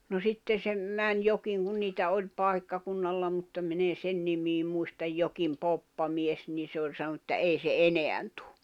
no sitten se meni jokin kun niitä oli paikkakunnalla mutta minä en sen nimeä muista jokin poppamies niin se oli sanonut että ei se enää tule